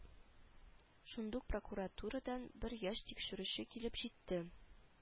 Шундук прокуратурадан бер яшь тикшерүче килеп җитте